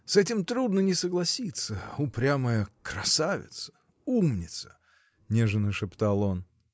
С этим трудно не согласиться, упрямая. красавица, умница!. — нежно шептал он.